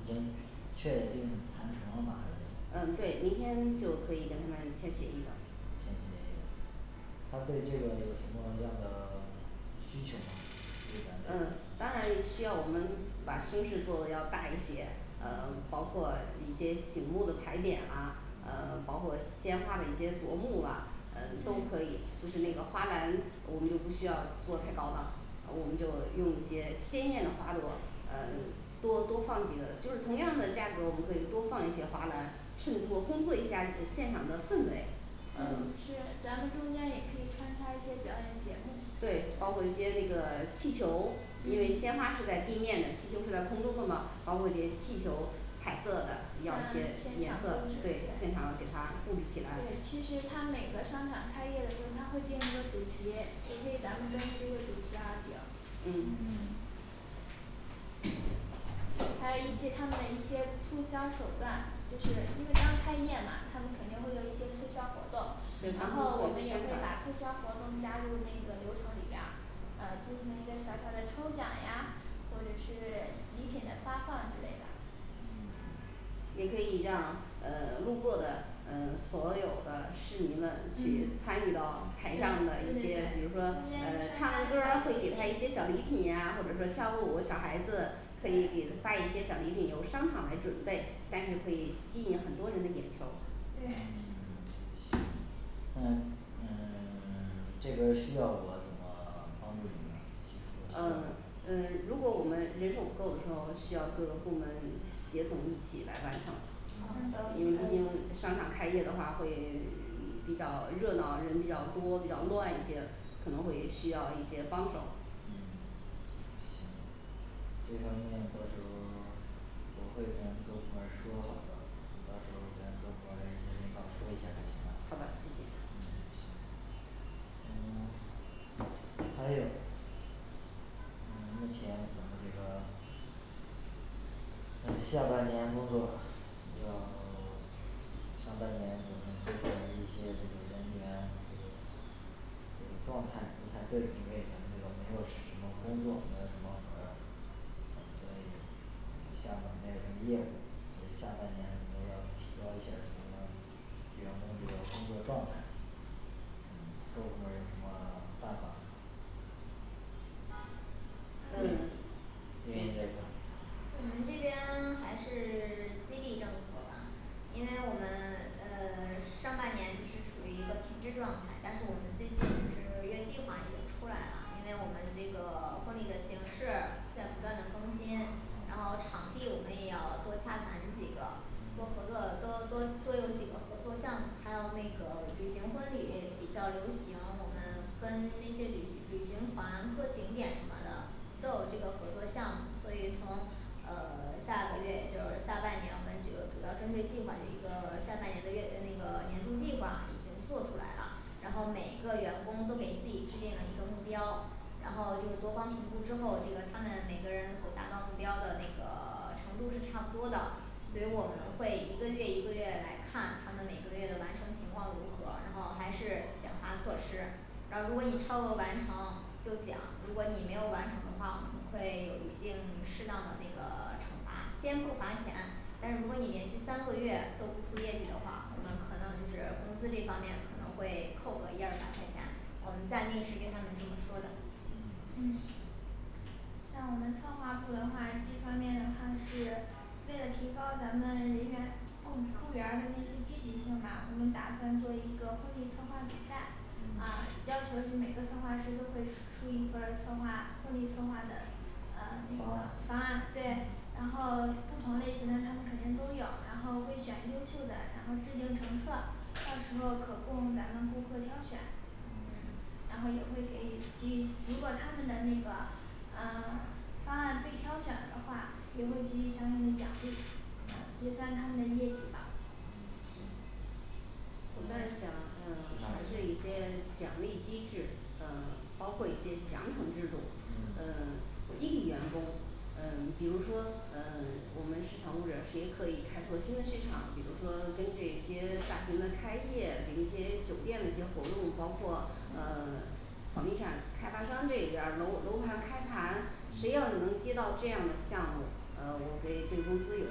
已经确定谈成了吗还是怎么嗯对，明天就可以跟他们签协议了签协议了他对这个有什么样的需求呢对咱嗯这个当然需要我们把声势做得要大一些，嗯包括一些醒目的牌匾啦，嗯包括鲜花的一些夺目啊嗯都可以，就是花篮我们就不需要做太高档啊我们就用一些鲜艳的花朵呃多多放几个就是同样的价格，我们可以多放一些花篮，衬托烘托一下儿呃现场的氛围。嗯嗯是咱们中间也可以穿插一些表演节目对包括一些那个气球，因为嗯鲜花是在地面的，汽球是在空中的嘛包括一些气球彩色的要一啊些现颜场布色，置对现场给它控制起来。其实它每个商场开业的时候，它会定一个主题，也可以咱们根据这个主题来定嗯还有一些他们的一些促销手段就是因为刚开业嘛他们肯定会有一些促销活动对，然然后后做我一们也些宣会把促传销活动加入那个流程里边儿呃进行一个小小的抽奖呀，或者是礼品的发放之类的嗯也可以让呃路过的嗯所有的市民们去嗯参与到对对对对中间穿插台上的一些，比如说嗯唱个歌儿会给他一些小小游戏礼品呀，或者说跳舞小孩子可以给对他发一些小礼品，由商场来准备，但是可以吸引很多人的眼球，嗯对 行那嗯 这边儿需要我怎么帮你们呢嗯呃如果我们人手不够的时候，需要各个部门协同一起来完成嗯好。因为的毕竟商场开业的话会 比较热闹，人比较多比较乱一些，可能会需要一些帮手嗯这方面到时候 我会跟各部门儿说好的，到时候跟各部门儿一些领导说一下好吧，谢谢。嗯行嗯 还有嗯目前我们这个下半年工作，上半年我们目前一些这个人员这个状态不太对，因为咱们没有什么工作，没有什么玩所以像我们没有什么业务，所以下半年可能要提高一下儿员工工作状态嗯各部门儿有什么办法？呃运营这块儿我们这边还是 激励政策吧因为我们嗯 上半年就是处于一个停滞状态，但是我们最近就是月计划已经出来了，因为我们这个婚礼的形式在不断的更新，然后嗯场地我们也要多洽谈几个月计划已经出来了，因为我们这个婚礼的形式在不断的更新，然后场地我们也要多洽谈几个多合嗯作多多多有几个合作项目，还有那个旅行婚礼比较流行，我们跟嗯那些旅旅行团各景点什么的都有这嗯个合作项目，所以从嗯呃下个月就是下半年，我们这个主要针对计划的一个下半年的月呃那个年中计划已经做出来了，然后每个员工都给自己制定了一个目标，然后就是多方复工之后，这个他们每个人所达到目标的那个 程度是差不多的所以我们会一个月一个月来看，他们每个月的完成情况如何，然后还是奖罚措施。然后如果你超额完成，就奖如果你没有完成的话，我们会有一定适当的那个惩罚，先不罚钱但是如果你连续三个月都不出业绩的话，我们可能就是工资这方面可能会扣个一二百块钱我们在那是跟他们这么说的，嗯嗯像我们策划部的话，这方面的话是为了提高咱们人员共共员儿的那些积极性吧，我们打算做一个公益策划比赛啊嗯要求是每个策划师都会出一份儿策划公益策划的呃方方案案对嗯，然后不同类型的她们肯定都有，然后会选优秀的，然后制订成册，到时候可供咱们顾客挑选嗯 然后也会给予给予如果他们的那个啊方案被挑选的话，也会给予相应的奖励也啊算他们的业绩吧嗯行我在嗯想嗯还是一些奖励机制嗯包括一些奖惩制度，嗯嗯激励员工嗯比如说嗯我们市场或者是也可以开拓新的市场，比如说跟这些大型的开业给一些酒店那些活动，包括呃 房地产开发商这边儿楼楼盘开盘，谁要是能接到这样的项目呃我给对公司有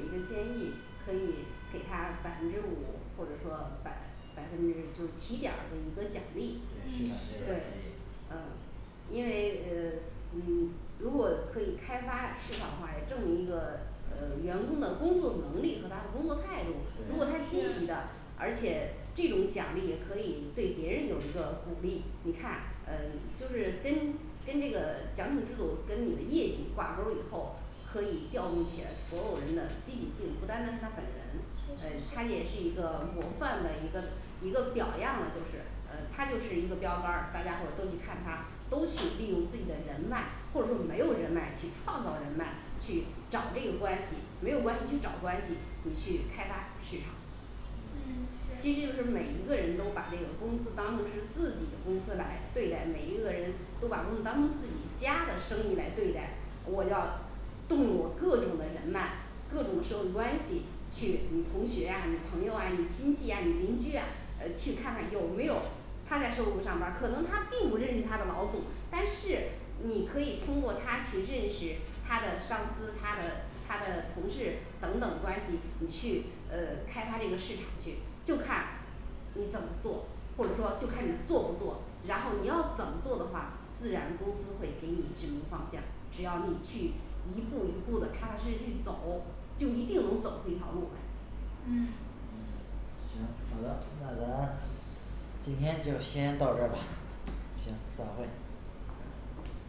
一个建议，可以给他百分之五或者说百百分之就是提点儿的一个奖对励，市场这边对可以，嗯因为呃嗯如果可以开发市场化这么一个呃员工的工作能力和他的工作态度，如果他对积极是的而且这种奖励也可以对别人有一个鼓励，你看嗯就是跟跟这个奖惩制度跟你的业绩挂钩儿以后，可以调动起来所有人的积极性，不单单是他本人嗯他也是一个模范的一个一个表样了就是呃他就是一个标杆儿，大家伙儿都去看，他都去利用自己的人脉，或者说没有人脉去创造人脉，去找这个关系，没有关系去找关系，你去开发市场嗯是毕竟是每一个人都把这个公司当成是自己的公司来对待，每一个人都把公司当成自己家的生意来对待，我要动我各种的人脉，各种的社会关系去你同学啊你朋友啊、你亲戚啊你邻居啊呃去看看有没有他在售楼部上班儿，可能他并不认识他的老总，但是你可以通过他去认识他的上司，他的他的同事等等关系，你去呃开发这个市场去就看你怎么做，或者说就看你做不是做，然后你要怎么做的话，自然公司会给你指明方向，只要你去一步一步的踏踏实实去走就一定能走出一条路来嗯嗯行好的那咱今天就先到这儿吧行散会。好的